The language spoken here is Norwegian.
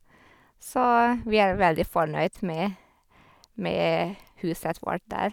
Så vi er veldig fornøyd med med huset vårt der.